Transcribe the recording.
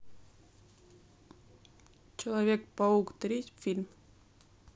человек паук три фильм